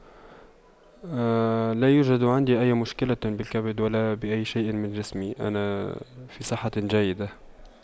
لا يوجد عندي أي مشكلة بالكبد ولا بأي شيء من جسمي أنا في صحة جيدة